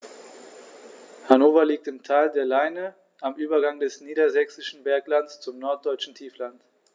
Hannover liegt im Tal der Leine am Übergang des Niedersächsischen Berglands zum Norddeutschen Tiefland.